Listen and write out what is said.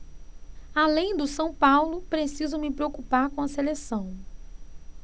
além do são paulo preciso me preocupar com a seleção